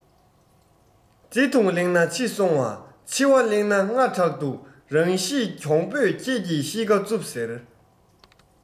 བརྩེ དུང གླེང ན འཕྱི སོང བ འཆི བ གླེང ན སྔ དྲགས འདུག རང གཤིས གྱོང པོས ཁྱེད ཀྱི གཤིས ཀ རྩུབ ཟེར